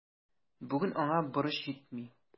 Бүген аңа борыч җитми.